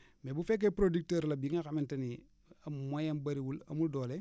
mais bu fekkee producteur la bi nga xamante ni am moyen am bëriwul amul doole